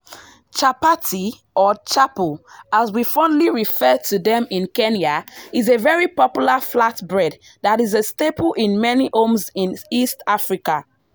Chapati or “chapo” as we fondly refer to them in Kenya, is a very popular flat bread that is a staple in many homes in East Africa.